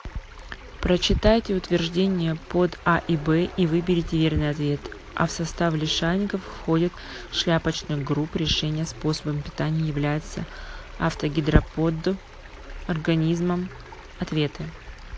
прочитайте утверждение под а и б и выберите верный ответ а в состав лишайников входят шляпочных групп решение способом питания является автогидроподъ организмом ответы